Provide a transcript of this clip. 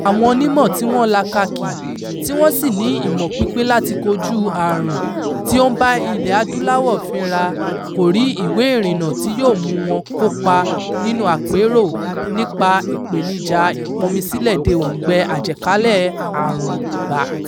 Àwọn onímọ̀ tí wọ́n lakakì tí wọ́n sì ní ìmọ̀ pípé láti kojúu àrùn tí ó ń bá ilẹ̀ adúláwọ̀ fínra, kò rí ìwé ìrìnnà tí yóò mú wọn kópa nínúu àpérò nípa “ìpèníjà ìpọnmisílẹ̀-de-oǹgbẹ àjàkálẹ̀ àrùn” gbà.